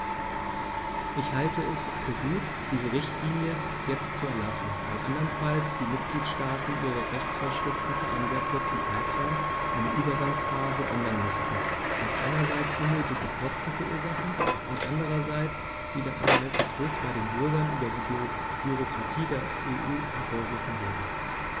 Ich halte es für gut, diese Richtlinie jetzt zu erlassen, weil anderenfalls die Mitgliedstaaten ihre Rechtsvorschriften für einen sehr kurzen Zeitraum, eine Übergangsphase, ändern müssten, was einerseits unnötige Kosten verursachen und andererseits wieder einmal Verdruss bei den Bürgern über die Bürokratie der EU hervorrufen würde.